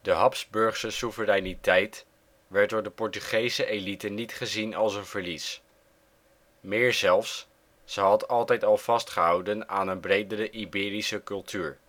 Habsburgse soevereiniteit werd door de Portugese elite niet gezien als een verlies. Meer zelfs, ze had altijd al vastgehouden aan een bredere Iberische cultuur